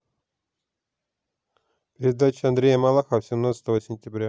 передача андрея малахова семнадцатое сентября